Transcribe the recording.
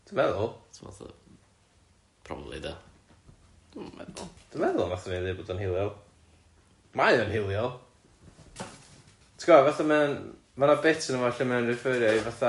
Dwi'n meddwl. Ti'bod fatha probably de. Dwi'm yn meddwl. Dwi'n meddwl 'nathon ni ddeud bod o'n hiliol. Mae o'n hiliol, ti'bod fatha mae o'n ma' na bits yno fo lle mae o'n referio i fatha